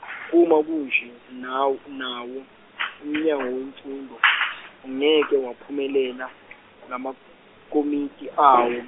uma kunje naw- nawo umnyango wemfundo ungeke waphumelela ngamakomiti awo.